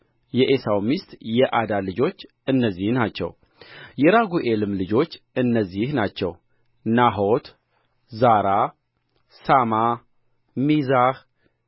የዔሳው ሚስት የዓዳ ልጆች እነዚህ ናቸው የራጉኤልም ልጆች እነዚህ ናቸው ናሖት ዛራ ሣማ ሚዛህ